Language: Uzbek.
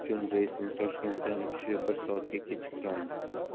uchun reysning toshkentdan uchishi bir soatga kechikkandi